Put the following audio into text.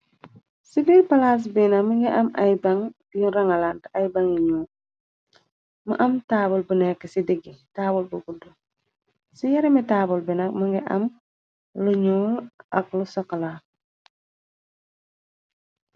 Ci biir palaas bina mi ngi am ay baŋg yu rangalant ay. Baŋg yi ñuo mu am taawal bu nekk ci diggi taawal bu gudd. Ci yarami taabal bina më ngi am lu ñuul ak lu sokala.